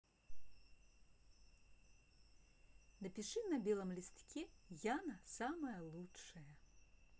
напиши на белом листке яна самая лучшая